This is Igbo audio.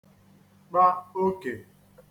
-kpa okè